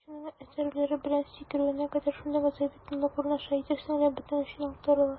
Спортчының этәрелүе белән сикерүенә кадәр шундый гасаби тынлык урнаша, әйтерсең лә бөтен эчең актарыла.